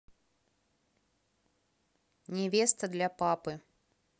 невеста для папы